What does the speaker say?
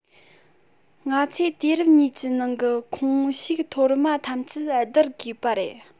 ང ཚོས དུས རབས གཉིས ཀྱི ནང གི ཁོངས ཞུགས མཐོ དམའ ཐམས ཅད བསྡུར དགོས པ རེད